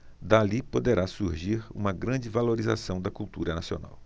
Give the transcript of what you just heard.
dali poderá surgir uma grande valorização da cultura nacional